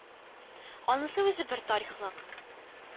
Анысы үзе бер тарихлык.